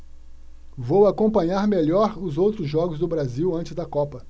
vou acompanhar melhor os outros jogos do brasil antes da copa